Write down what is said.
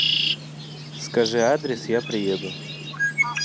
скажи адрес я приеду